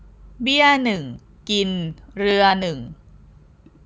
เบี้ยหนึ่งกินเรือหนึ่ง